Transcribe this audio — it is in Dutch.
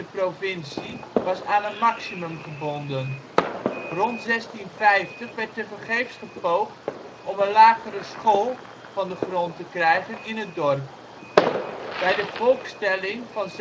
provincie was aan een maximum gebonden. Rond 1650 werd tevergeefs gepoogd om een lagere school van de grond te krijgen in het dorp. Bij de volkstelling van